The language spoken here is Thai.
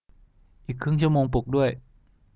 อีกครึ่งชั่วโมงปลุกด้วย